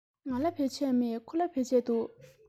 ང ལ བོད ཆས མེད ཁོ ལ བོད ཆས འདུག